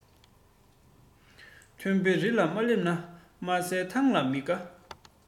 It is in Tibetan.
མཐོན པོའི རི ལ མ སླེབས དམའ ས ཐང ལ མི དགའ